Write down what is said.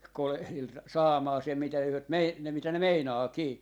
kolehdilla saamaan sen mitä he on - ne mitä ne meinaakin